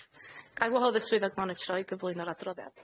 Cyngorwyd Bethel eto.